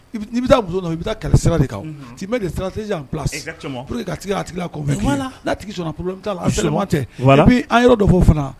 Bɛ taa muso i bɛ kɛlɛsira de kan de sira bila ka tigi' tigi silamɛ tɛ an yɔrɔ dɔ'o fana